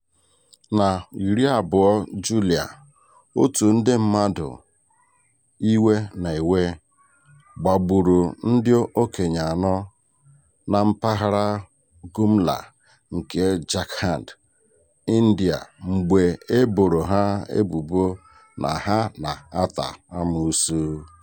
Na 20 Julaị, otu ndị mmadụ iwe na-ewe gbagburu ndị okenye anọ na Mpaghara Gumla nke Jharkhand, India mgbe e boro ha ebubo na ha na-ata amoosu.